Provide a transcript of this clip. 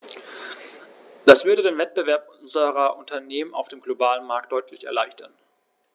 Das würde den Wettbewerb unserer Unternehmen auf dem globalen Markt deutlich erleichtern.